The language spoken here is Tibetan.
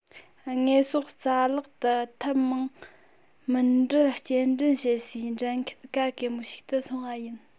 དངོས ཟོག རྩ བརླག ཏུ ཐབས མང མུ འབྲེལ སྐྱེལ འདྲེན བྱེད སའི འདྲེན ཁུལ ག གེ མོ ཞིག ཏུ སོང བ ཡིན